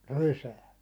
rysään